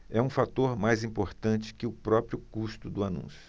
é um fator mais importante que o próprio custo do anúncio